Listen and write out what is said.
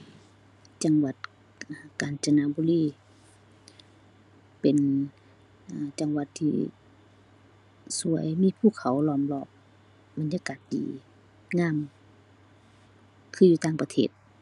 จังหวัดกาญจนบุรีเป็น เอ่อ จังหวัดที่สวย มีภูเขาล้อมรอบ บรรยากาศดี งาม คืออยู่ต่างประเทศ